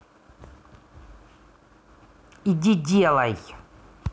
иди делай